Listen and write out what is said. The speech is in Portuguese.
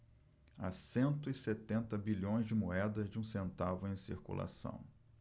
há cento e setenta bilhões de moedas de um centavo em circulação